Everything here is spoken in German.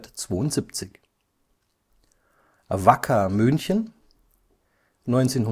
72 Wacker München: 1925